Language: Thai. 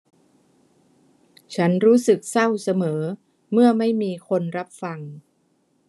ฉันรู้สึกเศร้าเสมอเมื่อไม่มีคนรับฟัง